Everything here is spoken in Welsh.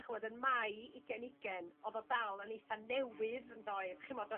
chwo'd yn Mai ugen ugen o'dd o dal yn eitha' newydd yn doed chi'mod